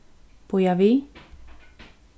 bíða við